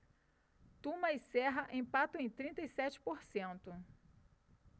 tuma e serra empatam em trinta e sete por cento